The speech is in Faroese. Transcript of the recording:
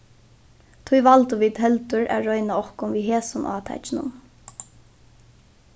tí valdu vit heldur at royna okkum við hesum átakinum